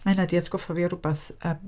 Mae hynna 'di atgoffa fi o rywbeth yym...